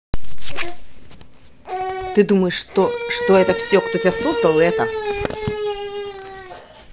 ты думаешь то что все кто тебя создал это